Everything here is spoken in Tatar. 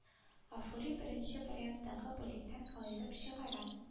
Гафури беренче варианттагы бүлектән аерып чыгара